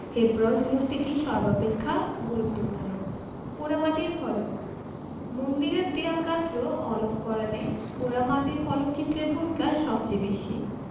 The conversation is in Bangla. হেবজ্র মূর্তিটি সর্বাপেক্ষা গুরুত্বপূর্ণ পোড়ামাটির ফলক মন্দিরের দেয়ালগাত্র অলঙ্করণে পোড়ামাটির ফলকচিত্রের ভূমিকা সবচেয়ে বেশি